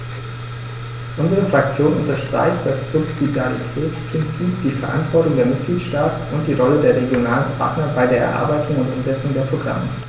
Unsere Fraktion unterstreicht das Subsidiaritätsprinzip, die Verantwortung der Mitgliedstaaten und die Rolle der regionalen Partner bei der Erarbeitung und Umsetzung der Programme.